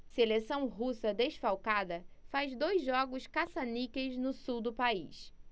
seleção russa desfalcada faz dois jogos caça-níqueis no sul do país